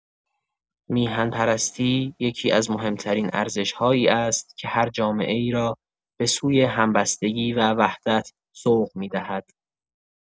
میهن‌پرستی یکی‌از مهمترین ارزش‌هایی است که هر جامعه‌ای را به سوی همبستگی و وحدت سوق می‌دهد.